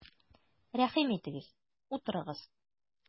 Рәхим итегез, утырыгыз!